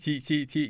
si si si